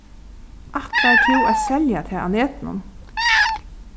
ætlar tú at selja tað á netinum